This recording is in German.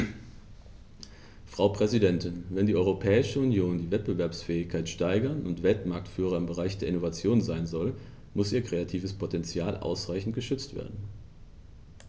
Frau Präsidentin, wenn die Europäische Union die Wettbewerbsfähigkeit steigern und Weltmarktführer im Bereich der Innovation sein soll, muss ihr kreatives Potential ausreichend geschützt werden.